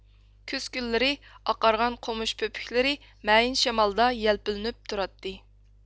كۈز كۈنلىرى ئاقارغان قومۇش پۆپۈكلىرى مەيىن شامالدا يەلپۈنۈپ تۇراتتى